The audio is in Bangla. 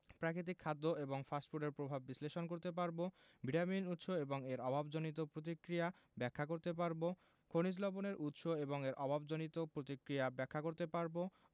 প্রাকৃতিক খাদ্য এবং ফাস্ট ফুডের প্রভাব বিশ্লেষণ করতে পারব ভিটামিনের উৎস এবং এর অভাবজনিত প্রতিক্রিয়া ব্যাখ্যা করতে পারব খনিজ লবণের উৎস এবং এর অভাবজনিত প্রতিক্রিয়া ব্যাখ্যা করতে পারব